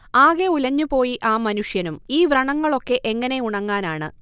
ആകെ ഉലഞ്ഞുപോയി ആ മനുഷ്യനും ഈ വ്രണങ്ങളൊക്കെ എങ്ങനെ ഉണങ്ങാനാണ്